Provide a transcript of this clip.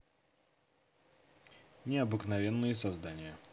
необыкновенные создания